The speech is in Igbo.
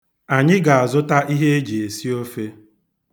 Anyi ga-azụta ihe e ji esi ofe.